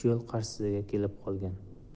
yo'l qarshisiga kelib qolgan